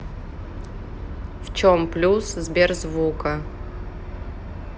в чем плюс сберзвука